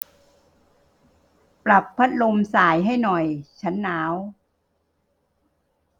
ปรับพัดลมส่ายให้หน่อยฉันหนาว